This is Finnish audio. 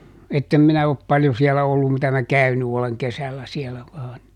että en minä ole paljon siellä ollut mitä minä käynyt olen kesällä siellä vain